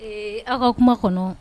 Ee aw ka kuma kɔnɔ